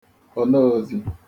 onozi